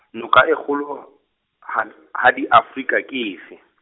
noka e kgolo, had-, hadi Afrika ke efe?